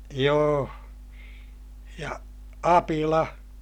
joo ja apila